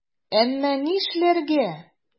Әмма нишләргә?!